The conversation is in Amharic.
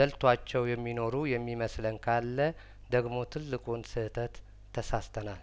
ደልቷቸው የሚኖሩ የሚመስለን ካለደግሞ ትልቁን ስህተት ተሳስተናል